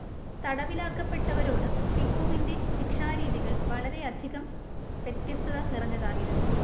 തടവിലാക്കപ്പെട്ടവരോടു ടിപ്പുവിന്റെ ശിക്ഷാരീതികൾ വളരെയധികം വ്യത്യസ്തത നിറഞ്ഞതായിരുന്നു